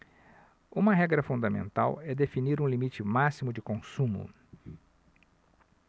uma regra fundamental é definir um limite máximo de consumo